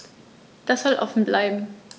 Das soll offen bleiben.